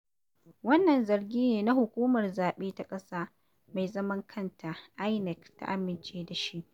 Wannan zargi ne da hukumar zaɓe ta ƙasa mai zaman kanta (INEC) ta amince da shi.